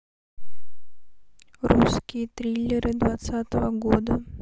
русские триллеры двадцатого года